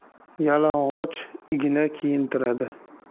yalang'och igna kiyintiradi